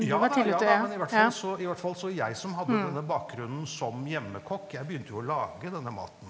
ja da ja da men i hvert fall så i hvert fall så jeg som hadde denne bakgrunnen som hjemmekokk jeg begynte jo å lage denne maten.